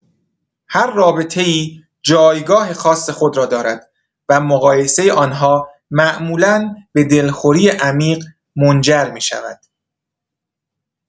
هر رابطه‌ای جایگاه خاص خود را دارد و مقایسه آن‌ها معمولا به دلخوری عمیق منجر می‌شود.